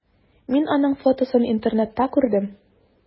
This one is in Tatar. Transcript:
Мин аның фотосын интернетта күрдем.